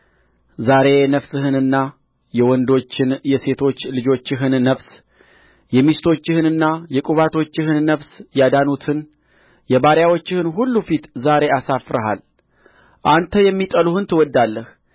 ዛሬ ነፍስህንና የወንዶችና የሴቶች ልጆችህን ነፍስ የሚስቶችህንና የቁባቶችህን ነፍስ ያዳኑትን የባሪያዎችህን ሁሉ ፊት ዛሬ አሳፍረሃል አንተ የሚጠሉህን ትወድዳለህ